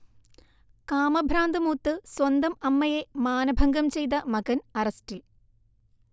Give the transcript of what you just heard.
കാമഭ്രാന്ത് മൂത്ത് സ്വന്തം അമ്മയെ മാനഭംഗം ചെയ്ത മകൻ അറസ്റ്റിൽ